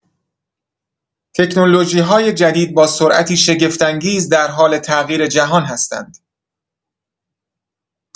تکنولوژی‌های جدید با سرعتی شگفت‌انگیز در حال تغییر جهان هستند.